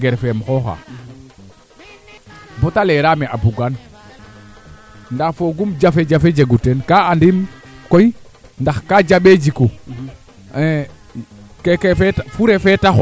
d' accord boo ndiik o fogole na nan gilooxa in meeke rek i ndef koy no kee ando naye ten refu waxtaan maak le in ando naye in wey mbiyan fo oxe ando naye ten refu Gorgui Ndane naxtan taa noku xotoona